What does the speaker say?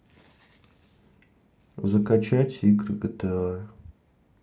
закачать игры гта